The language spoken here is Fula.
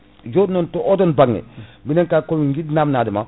jonnon to oɗon bangggue min gua ko min jiiɗi namdadema